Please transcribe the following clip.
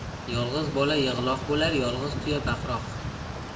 yolg'iz bola yig'loq bo'lar yolg'iz tuya baqiroq